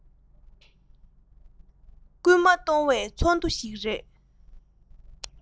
འཕྲིན ལས རྣམ བཞི བསྒྲུབ པར